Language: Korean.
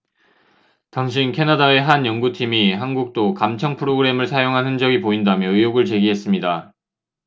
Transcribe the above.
당시 캐나다의 한 연구팀이 한국도 감청프로그램을 사용한 흔적이 보인다며 의혹을 제기했습니다